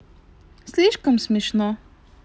слишком смешно